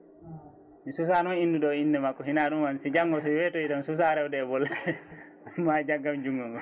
mi susa noon innude ɗo inde makko ko hiina ɗum tan si janggo si wetoyi tan mi susa rewde e bolol ma o jaggam jungongo